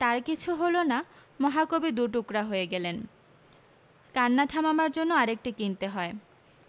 তার কিছু হল না মহাকবি দু'টুকরা হয়ে গেলেন কান্না থামাবার জন্যে আরেকটি কিনতে হয়